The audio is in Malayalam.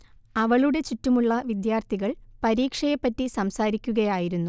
അവളുടെ ചുറ്റുമുള്ള വിദ്യാർത്ഥികൾ പരീക്ഷയെ പറ്റി സംസാരിക്കുകയായിരുന്നു